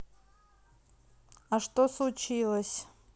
а что случилось